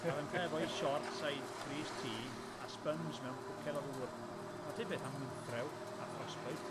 a' fynta efo'i siorts a'i grys tŷ a sponge mewn pwced o ddŵr, 'na ti beth am wynthrew a frostbite.